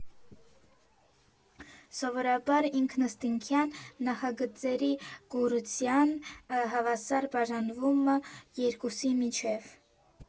Սովորաբար ինքնըստինքյան նախագծերի կուրացիան հավասար բաժանվում ա երկուսիս միջև։